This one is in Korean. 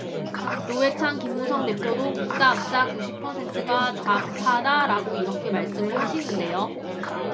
노회찬 김무성 대표도 국사학자 구십 퍼센트가 좌파다라고 이렇게 말씀을 하시는데요